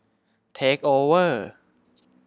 เทคโอเวอร์